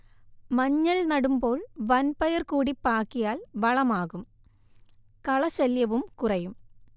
മഞ്ഞൾ നടുമ്പോൾ വൻപയർ കൂടി പാകിയാൽ വളമാകും കളശല്യവും കുറയും